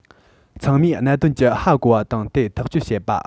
ཚང མས གནད དོན གྱི ཧ གོ བ དང དེ ཐག གཅོད བྱེད པ